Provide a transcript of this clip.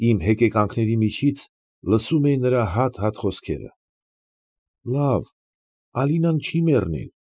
Իմ հեկեկանքների միջից լսում էի նրա հատ֊հատ խոսքերը. ֊ Լավ, Ալինան չի մեռնիլ։